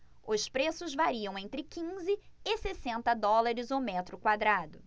os preços variam entre quinze e sessenta dólares o metro quadrado